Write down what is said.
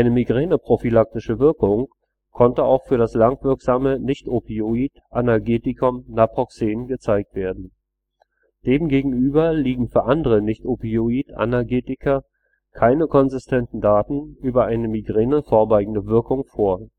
migräneprophylaktische Wirkung konnte auch für das langwirksame Nichtopioid-Analgetikum Naproxen gezeigt werden. Demgegenüber liegen für andere Nichtopioid-Analgetika keine konsistenten Daten über eine Migräne vorbeugende Wirkung vor